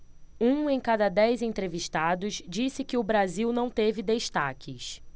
um em cada dez entrevistados disse que o brasil não teve destaques